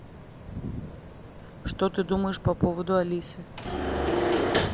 что ты думаешь по поводу алисы